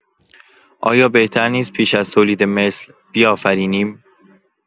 آیا بهتر نیست پیش از تولیدمثل، بیافرینیم؟